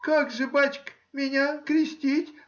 — Как же, бачка, меня крестить?